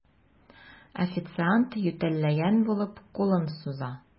Официант, ютәлләгән булып, кулын суза.